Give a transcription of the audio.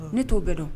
Ne t'o bɛɛ dɔn